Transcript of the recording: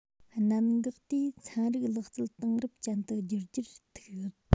གནད འགག དེ ཚན རིག ལག རྩལ དེང རབས ཅན དུ བསྒྱུར རྒྱུར ཐུག ཡོད